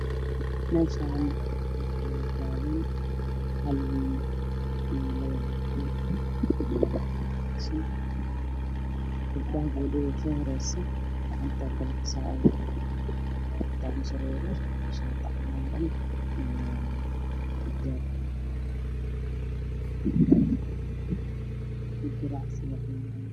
Waxaa ii muuqda laba naad iyo hal nin waxa ay korayaan qashin waxay jooga meel qashin lagu daadiyo gacmaha garavs ee ugu jiro waxaa ka dambeeyay qashin farabadan iyo jawaano